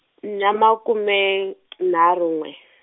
na makume , nharhu n'we.